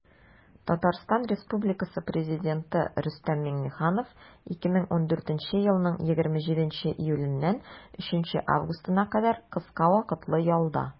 Татарстан Республикасы Президенты Рөстәм Миңнеханов 2014 елның 27 июленнән 3 августына кадәр кыска вакытлы ялда.